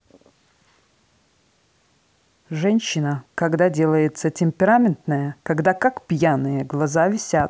женщина когда делается темпераментная когда как пьяные глаза висят